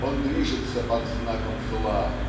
Он движется под знаком зла.